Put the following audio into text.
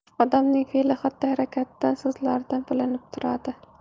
odamning feli xatti harakatidan so'zlaridan bilinib turadi